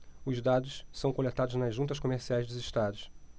os dados são coletados nas juntas comerciais dos estados